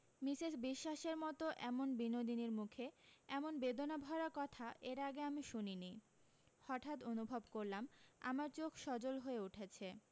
Mrs বিশ্বাসের মতো এমন বিনোদিনীর মুখে এমন বেদনাভরা কথা এর আগে আমি শুনিনি হঠাত অনুভব করলাম আমার চোখ সজল হয়ে উঠেছে